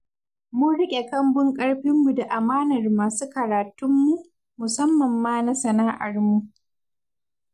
'Mun riƙe kambun ƙarfinmu da amanar masu karatunmu, musamman ma na sana'armu''.